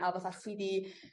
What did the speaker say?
...a fatha ch 'di